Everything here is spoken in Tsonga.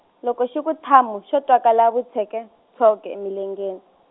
loko xi ku thamu xo twakala vutsweke tswoke e milengeni.